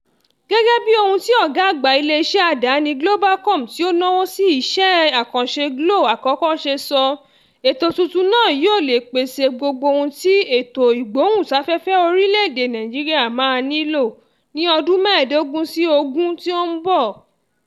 Gẹ́gẹ́ bí ohun tí ọ̀gá àgbà ilé iṣẹ́ àdáni Globacom tí ó náwó sí iṣẹ́ àkànṣe Glo-1 ṣe sọ, ètò tuntun náà yóò lè pèsè gbogbo ohun tí ètò ìgbóhùn sáfẹ́fẹ́ orílẹ̀ èdè Nàìjíríà máa nílò ní ọdún mẹ́ẹ̀dógún sí ogún tí ó ń bọ̀.